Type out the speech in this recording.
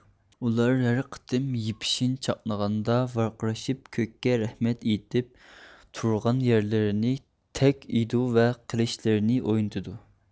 ئۇلار ھەر قىتىم يىپشېن چاقنىغاندا ۋارقىرىشىپ كۆككە رەھمەت ئىيتىپ تۇرغان يەرلىرىنى تەرك ئىتىدۇ ۋە قىلىچلىرىنى ئوينىتىدۇ